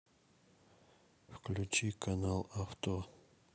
включи канал авто